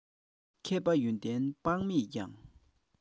མཁས པ ཡོན ཏན དཔག མེད ཀྱང